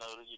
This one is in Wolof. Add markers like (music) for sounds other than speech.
(hesitation) (hesitation)